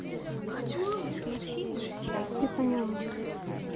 ты поняла